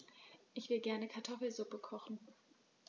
Ich will gerne Kartoffelsuppe kochen.